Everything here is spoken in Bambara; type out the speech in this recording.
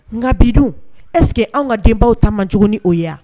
Nga bi dun? est ce que anw ka denbaw ta man jugu ni o ya ?